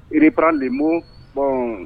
Irepralenbbo bɔnɔn